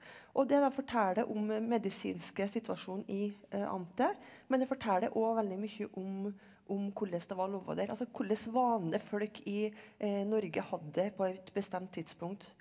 og det dem forteller om medisinske situasjonen i amtet, men det forteller òg veldig mye om om hvordan det var å leve der, altså hvordan vanlige folk i Norge hadde det på et bestemt tidspunkt.